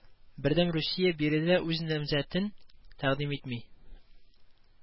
Бердәм Русия биредә үз намзәтен тәкъдим итми